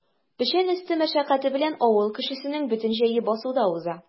Печән өсте мәшәкате белән авыл кешесенең бөтен җәе басуда уза.